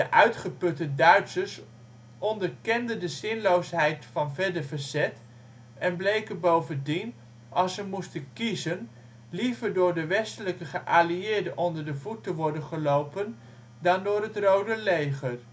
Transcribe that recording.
uitgeputte Duitsers onderkenden de zinloosheid van verder verzet en bleken bovendien, als ze moesten kiezen, liever door de westelijke geallieerden onder de voet te worden gelopen dan door het Rode Leger